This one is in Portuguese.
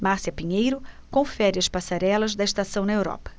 márcia pinheiro confere as passarelas da estação na europa